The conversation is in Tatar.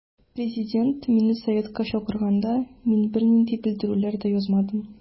Президент мине советка чакырганда мин бернинди белдерүләр дә язмадым.